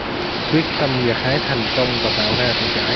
quyết tâm gặt hái thành công và tạo ra của cải